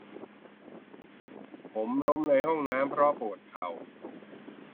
ผมล้มในห้องน้ำเพราะปวดเข่า